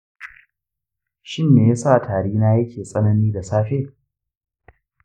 shin me yasa tarina yake tsanani da safe?